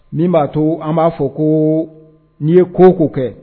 Min b'a to an b'a fɔ ko n'i ye ko ko kɛ